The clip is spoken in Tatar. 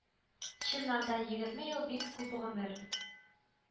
Чыннан да, егерме ел бик күп гомер